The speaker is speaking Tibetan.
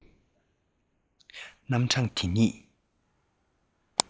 རྣམ གྲངས འདི ཉིད